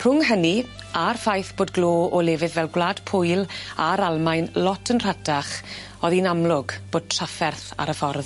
Rhwng hynny a'r ffaith bod glo o lefydd fel Gwlad Pwyl a'r Almaen lot yn rhatach o'dd 'i'n amlwg bod trafferth ar y ffordd.